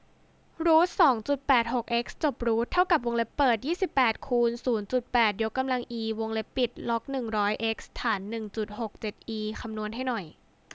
รูทสองจุดแปดหกเอ็กซ์จบรูทเท่ากับวงเล็บเปิดยี่สิบแปดคูณศูนย์จุดแปดยกกำลังอีวงเล็บปิดล็อกหนึ่งร้อยเอ็กซ์ฐานหนึ่งจุดหกเจ็ดอีคำนวณให้หน่อย